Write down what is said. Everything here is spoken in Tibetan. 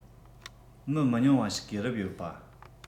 མི མི ཉུང བ ཞིག གིས རུབ ཡོད པ